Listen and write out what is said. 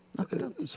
akkurat.